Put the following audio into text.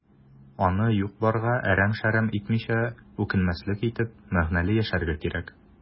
Аны юк-барга әрәм-шәрәм итмичә, үкенмәслек итеп, мәгънәле яшәргә кирәк.